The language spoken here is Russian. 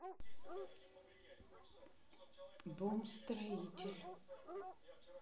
бом строитель